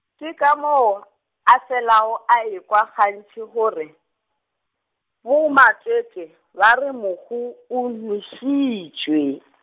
ke ka moo , a felago a ekwa gantši gore, bomatwetwe ba re mohu o nwešitšwe.